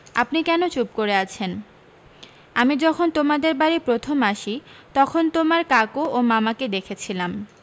আপনি কেন চুপ করে আছেন আমি যখন তোমাদের বাড়ী প্রথম আসি তখন তোমার কাকু ও মামাকে দেখেছিলাম